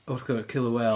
Orca the killer whale.